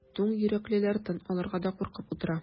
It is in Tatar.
Туң йөрәклеләр тын алырга да куркып утыра.